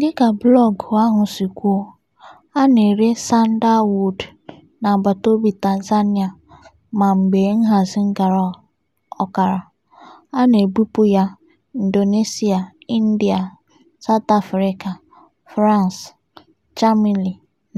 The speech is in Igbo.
Dịka blọọgụ ahụ si kwuo, a na-ere sandalwood n'agbataobi Tanzania ma mgbe nhazi gara ọkara, a na-ebupụ ya "Indonesia, India, South Africa, France, Germany